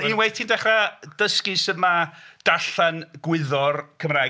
Unwaith ti'n dechrau dysgu sut ma' darllen gwyddor Cymraeg...